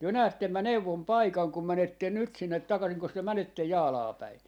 te näette minä neuvon paikan kun menette nyt sinne takaisinkos te menette Jaalaan päin